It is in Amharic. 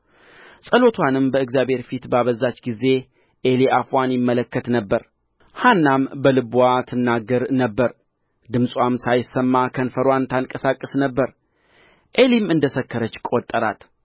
ጸሎትዋንም በእግዚአብሔር ፊት ባበዛች ጊዜ ዔሊ አፏን ይመለከት ነበር ሐናም በልብዋ ትናገር ነበር ድምፅዋም ሳይሰማ ከንፈርዋን ታንቀሳቅስ ነበር ዔሊም እንደ ሰከረች ቈጠራት